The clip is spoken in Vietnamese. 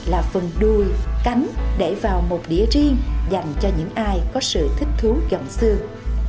là phần đùi cánh để vào một đĩa riêng dành cho những ai có sự thích thú gặm xương